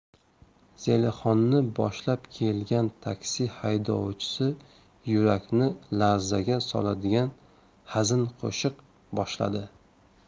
zelixonni boshlab kelgan taksi haydovchisi yurakni larzaga soladigan hazin qo'shiq boshladi